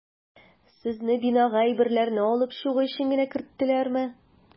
Сезне бинага әйберләрне алып чыгу өчен генә керттеләрме?